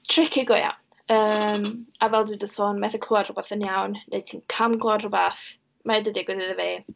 tricky go iawn. Yym, a fel dwi 'di sôn, methu clywed rywbeth yn iawn neu ti'n camglywed rywbeth. Mae o 'di digwydd iddo fi.